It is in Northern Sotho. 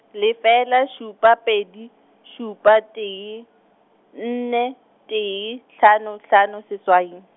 lefela šupa pedi, šupa tee, nne, tee, hlano hlano seswai.